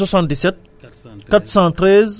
voilà ñaari numéro yi bu njëkk bi di 77